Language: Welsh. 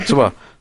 T'mo'?